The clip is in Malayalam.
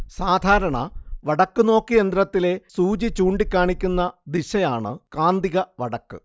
സാധാരണ വടക്കുനോക്കിയന്ത്രത്തിലെ സൂചി ചൂണ്ടികാണിക്കുന്ന ദിശയാണ് കാന്തിക വടക്ക്